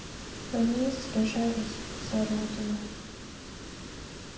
они сражались за родину